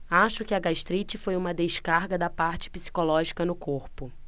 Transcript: acho que a gastrite foi uma descarga da parte psicológica no corpo